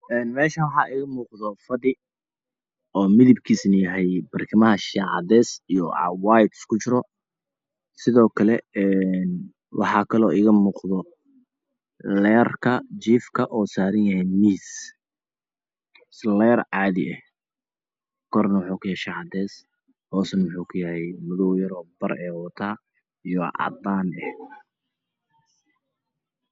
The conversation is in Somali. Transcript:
Halkan waa qol wax yalo fadhi oo kalar kisi soyahy cades dhulkan waa cades